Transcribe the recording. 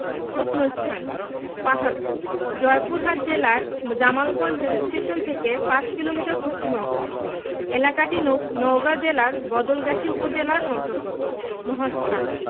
প্রত্নস্থানঃ পাহাড়পুর জয়পুরহাট জেলার জামালগঞ্জ রেলস্টেশন থেকে ৫ কিলোমিটার পশ্চিমে অবস্থিত এলাকাটি নওগাঁ জেলার বদলগাছি উপজেলার অন্তর্গত মহাস্থান